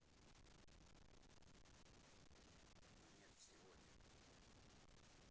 но нет сегодня